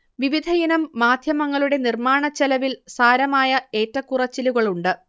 വിവിധയിനം മാധ്യമങ്ങളുടെ നിർമ്മാണച്ചെലവിൽ സാരമായ ഏറ്റക്കുറച്ചിലുകളുണ്ട്